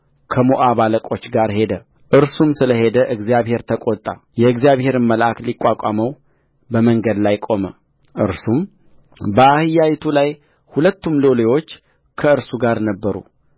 ከሞዓብ አለቆች ጋር ሄደእርሱም ስለ ሄደ እግዚአብሔር ተቈጣ የእግዚአብሔርም መልአክ ሊቋቋመው በመንገድ ላይ ቆመ እርሱም በአህያይቱ ላይ ሁለቱም ሎሌዎቹ ከእርሱ ጋር ነበሩ